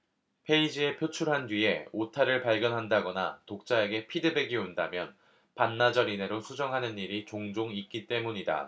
페이지에 표출한 뒤에 오타를 발견한다거나 독자에게 피드백이 온다면 반나절 이내로 수정을 하는 일이 종종 있기 때문이다